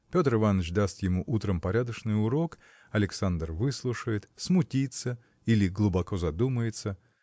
Петр Иваныч даст ему утром порядочный урок Александр выслушает смутится или глубоко задумается